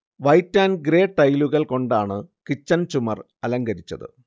white and grey ടൈലുകൾ കൊണ്ടാണ് kitchen ചുമർ അലങ്കരിച്ചത്